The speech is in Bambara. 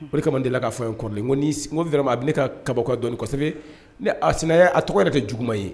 O de kama n deli la ka fɔ yan kɔrɔlen n ko ni . N ko vraiment a bi ne ka kabakoya dɔɔnin parceque n ko sinaya a tɔgɔ yɛrɛ tɛ juguma ye.